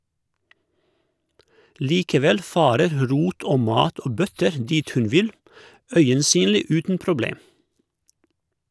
Likevel farer rot og mat og bøtter dit hun vil, øyensynlig uten problem.